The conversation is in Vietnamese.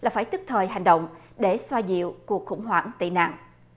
là phải tức thời hành động để xoa dịu cuộc khủng hoảng tị nạn